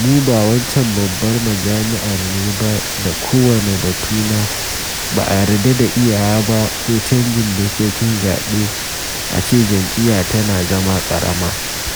mu ba wancan babbar majami’ar ne ba da kowane batu na “ba a yarda da iyawa ba” ko canjin dokokin zaɓe a ce jam’iyya tana zama karama.